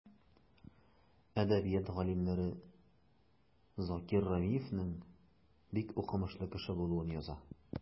Әдәбият галимнәре Закир Рәмиевнең бик укымышлы кеше булуын яза.